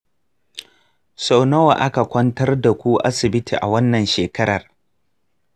sau nawa aka kwantar da ku asibiti a wannan shekarar?